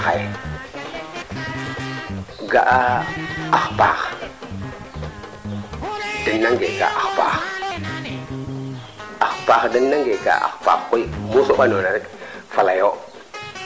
i boo ndiik fiya ngaan nuun o fogole na nan filwa in keene ten i njeg'u no kaa ando naye tenu mbaru mbaxtanit noka farna no ax paax ke avant tag toora fo ten kaa i cookan o ñuxro le te tag toor fo o fogole